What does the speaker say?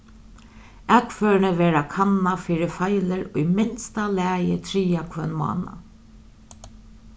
akførini verða kannað fyri feilir í minsta lagi triðja hvønn mánað